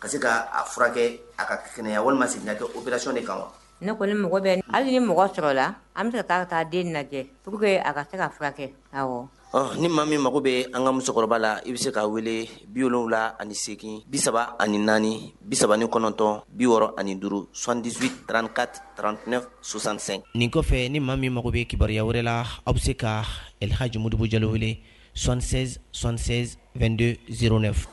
Ka se k'a furakɛ a ka sɛnɛya walima ma sigi nɛgɛ obisi de kan ne kɔni ne mɔgɔ bɛ hali ni mɔgɔ sɔrɔ la an bɛ taa' den lajɛ a ka se ka furakɛ ni maa min mago bɛ an ka musokɔrɔbakɔrɔba la i bɛ se k ka wele biɔrɔn la ani segingin bisa ani naani bisa ni kɔnɔntɔn bi6 ani duuru sɔdiz tan trant sonsansɛn nin kɔfɛ ni maa min mago bɛ kibaruyaya wɛrɛ la aw bɛ se ka lhajimobujɛ wele sɔ sɔ2d zirɛ fɛ